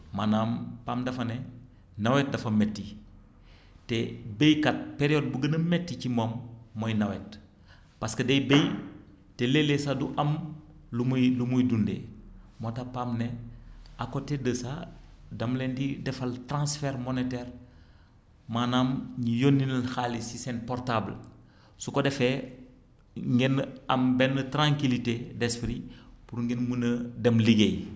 maanaam PAM dafa ne nawet dafa métti te baykat période bu gën a métti ci moom mooy nawet parce que day bay te léeg-léeg sax du am lu muy lu muy dundee moo tax PAM ne à côté de dama leen di defal transfert monétaire maanaam ñu yónni leen xaalis su ko defee ngeen am benn tranquilité d' esprit pour ngeen mën a dem liggéey